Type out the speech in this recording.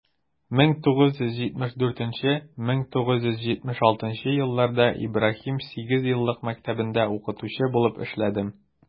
1974 - 1976 елларда ибраһим сигезьеллык мәктәбендә укытучы булып эшләдем.